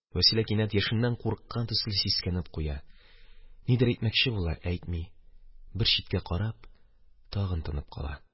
Вәсилә кинәт яшеннән курыккан төсле сискәнеп куя, нидер әйтмәкче була, әйтми, бер читкә карап, тагын тынып кала.